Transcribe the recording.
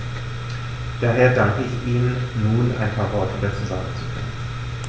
Daher danke ich Ihnen, nun ein paar Worte dazu sagen zu können.